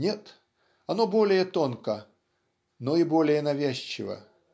нет, оно более тонко, но и более навязчиво